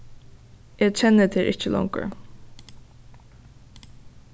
eg kenni tær ikki longur